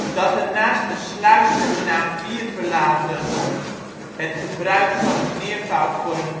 Dat er naast een sluis met de naam Vierverlaten (het gebruik van het meervoud voor een